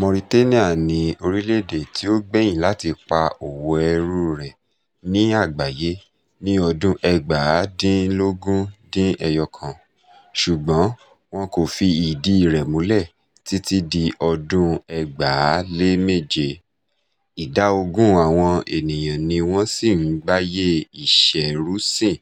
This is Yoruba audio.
Mauritania ni orílẹ̀-èdè tí ó gbẹ́yìn láti pa òwò-ẹrú rẹ ní àgbáyé ní ọdún 1981, ṣùgbọ́n wọn kò fi ìdíi rẹ̀ múlẹ̀ títí di ọdún 2007, ìdá 20 àwọn ènìyàn ni wọ́n ṣì ń gbáyé ìṣẹrúsìn